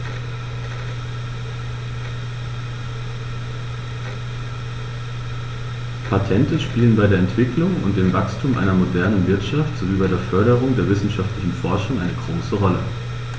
Patente spielen bei der Entwicklung und dem Wachstum einer modernen Wirtschaft sowie bei der Förderung der wissenschaftlichen Forschung eine große Rolle.